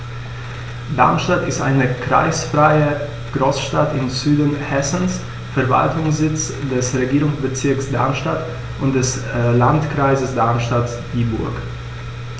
Darmstadt ist eine kreisfreie Großstadt im Süden Hessens, Verwaltungssitz des Regierungsbezirks Darmstadt und des Landkreises Darmstadt-Dieburg.